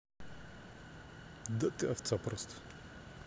да ты овца просто